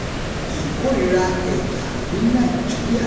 Ìkórìíra Ẹ̀yà ní Nàìjíríà